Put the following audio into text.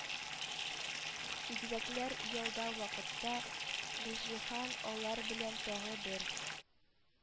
Игезәкләр ялда вакытта Гөлҗиһан алар белән тагы бер